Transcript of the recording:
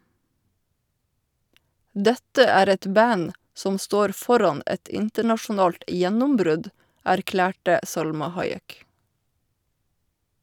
- Dette er et band som står foran et internasjonalt gjennombrudd, erklærte Salma Hayek.